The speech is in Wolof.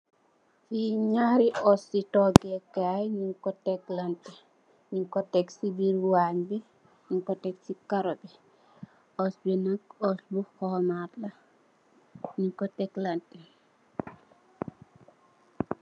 Li naari ous yu toogèkaay nung ko teglantè nung ko tèk ci biir wann bi nung ko tèk ci karo. Ous bi nak ous bi homaat la nung ko teglantè.